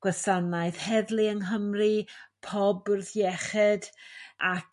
gwasanaeth heddlu yng Nghymru pob bwrdd iechyd ac